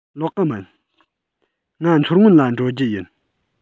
ལོག གི མིན ང མཚོ སྔོན ལ འགྲོ རྒྱུ ཡིན